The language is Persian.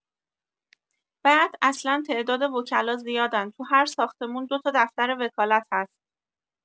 بعد اصلا تعداد وکلا زیادن تو هر ساختمون دوتا دفتر وکالت هست